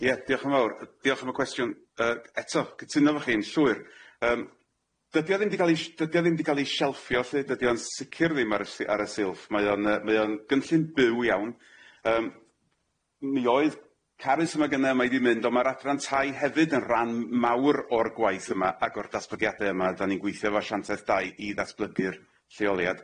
Ie diolch yn fawr yy diolch am y cwestiwn yy eto cytuno efo chi'n llwyr yym, dydi o ddim di ga'l ei sh- dydi o ddim di ga'l ei shelffio lly dydi o'n sicir ddim ar y s- ar y silff mae o'n yy mae o'n gynllun byw iawn yym mi oedd Carys yma gynna mae di mynd ond ma'r Adran tai hefyd yn ran mawr o'r gwaith yma ac o'r datblygiade yma dan ni'n gweithio efo asianteth dau i ddatblygu'r lleoliad.